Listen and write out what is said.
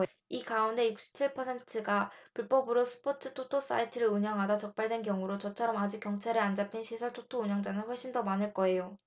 이 가운데 육십 칠 퍼센트가 불법으로 스포츠 토토 사이트를 운영하다 적발된 경우로 저처럼 아직 경찰에 안 잡힌 사설 토토 운영자는 훨씬 더 많을 거예요